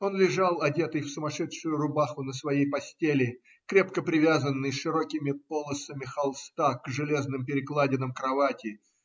Он лежал, одетый в сумасшедшую рубаху, на своей постели, крепко привязанный широкими полосами холста к железным перекладинам кровати.